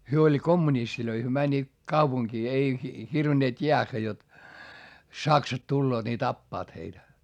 he oli kommunisteja he menivät kaupunkiin ei hirvenneet jäädä jotta saksat tulevat niin tappavat heitä